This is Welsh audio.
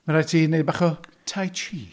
Mae'n rhaid i ti wneud bach o tai chi.